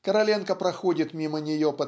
Короленко проходит мимо нее